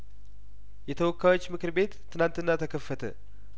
የተወካዮችምክር ቤት ትናንትና ተከፈተ